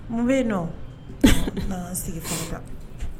Mun bɛ nɔ sigi fanga la